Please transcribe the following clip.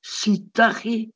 Sut dach chi?